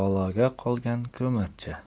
baloga qolgan ko'mirchi